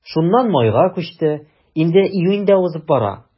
Шуннан майга күчте, инде июнь дә узып бара.